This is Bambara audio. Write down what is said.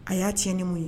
A y'a cɛ ni mun ye